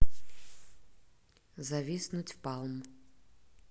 зависнуть в палм